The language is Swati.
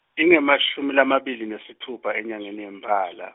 tingemashumi lamabili nesitfupha enyangeni yeMphala.